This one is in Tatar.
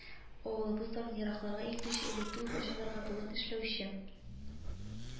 Авылыбыз данын еракларга илтүче элекке укучыларга, бүген эшләүче